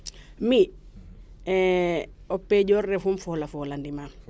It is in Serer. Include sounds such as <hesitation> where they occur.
mi <hesitation> o penjoor refum folafoor a ndimaam